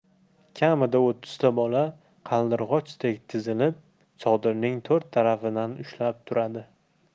kamida o'ttizta bola qaldirg'ochdek tizilib chodirning to'rt tarafidan ushlab turadi